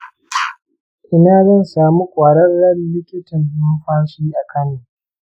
ina zan samu kwararren likitan numfashi a kano?